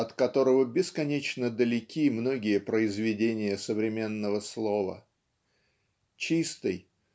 от которого бесконечно далеки многие произведения современного слова. Чистый